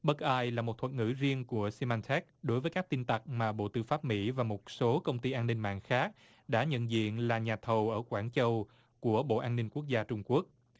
bất ai là một thuật ngữ riêng của sim man thếch đối với các tin tặc mà bộ tư pháp mỹ và một số công ty an ninh mạng khác đã nhận diện là nhà thầu ở quảng châu của bộ an ninh quốc gia trung quốc